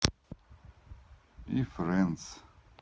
и friends